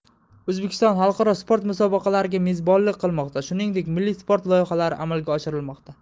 o'zbekiston xalqaro sport musobaqalariga mezbonlik qilmoqda shuningdek milliy sport loyihalari amalga oshirilmoqda